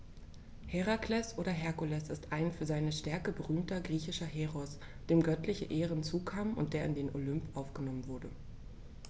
Herakles oder Herkules ist ein für seine Stärke berühmter griechischer Heros, dem göttliche Ehren zukamen und der in den Olymp aufgenommen wurde.